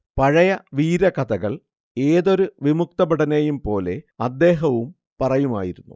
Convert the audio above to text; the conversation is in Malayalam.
പഴയ വീരകഥകൾ ഏതൊരു വിമുക്തഭടനെയും പോലെ അദ്ദേഹവും പറയുമായിരുന്നു